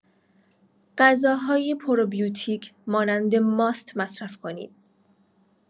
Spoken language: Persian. غذاهای پروبیوتیک مانند ماست مصرف کنید.